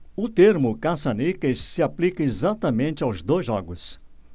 o termo caça-níqueis se aplica exatamente aos dois jogos